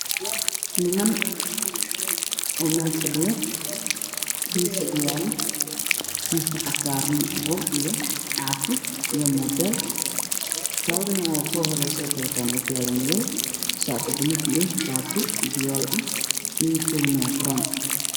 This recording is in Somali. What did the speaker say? Niman meel fadhiyo miis ag yaalo mid waxa saran buug iyo caasi iyo moobeyl labada nin ugu so horeysa waxay wataan ookoyaalo madow shaati buluug iyo shaati jiyool ah iyo kunoobroon